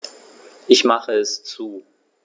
Ich mache es zu.